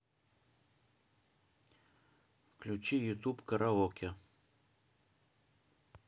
включи ютуб караоке